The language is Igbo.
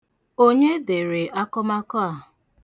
Onye dere akọmakọ a?